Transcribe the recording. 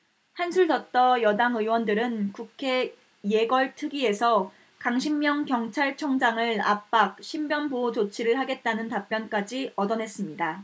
한술 더 떠 여당 의원들은 국회 예결특위에서 강신명 경찰청장을 압박 신변보호 조치를 하겠다는 답변까지 얻어냈습니다